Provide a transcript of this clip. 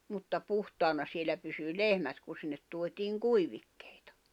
mutta puhtaana siellä pysyi lehmät kun sinne tuotiin kuivikkeita